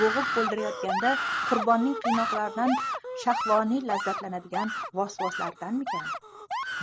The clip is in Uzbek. bo'g'ib o'ldirayotganda qurbonining qiynoqlaridan shahvoniy lazzatlanadigan vasvaslardanmikan